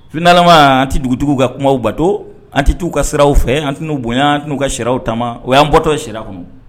Filalama tɛ dugutigitigiww ka kuma bato an tɛtigiwu ka siraw fɛ an tɛnau bonya n'u ka siraw ta o y an bɔtɔ sira kɔnɔ